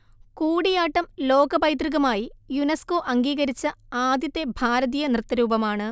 കൂടിയാട്ടം ലോകപൈതൃകമായി യുനെസ്കോ അംഗീകരിച്ച ആദ്യത്തെ ഭാരതീയ നൃത്തരൂപമാണ്